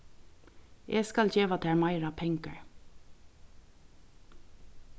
eg skal geva tær meira pengar